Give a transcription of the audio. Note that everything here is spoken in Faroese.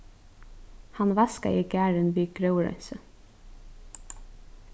hann vaskaði garðin við gróðurreinsi